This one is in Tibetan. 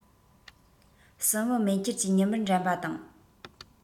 སྲིན བུ མེ ཁྱེར གྱིས ཉི མར འགྲན པ དང